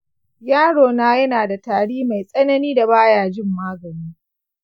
yaro na yana da tari mai tsanani da baya jin magani.